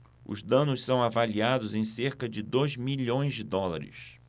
os danos são avaliados em cerca de dois milhões de dólares